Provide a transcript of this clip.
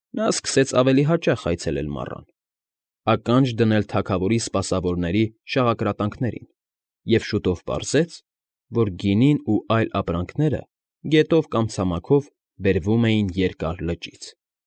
Նա սկսեց ավելի հաճախ այցելել մառան, ականջ դնել թագավորի սպասավորների շաղակրատանքներին և շուտով պարզեց, որ գինին ու այլ ապրանքները գետով կամ ցամաքով բերվում էին Երկար լճից։